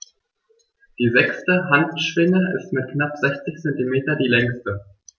Die sechste Handschwinge ist mit knapp 60 cm die längste.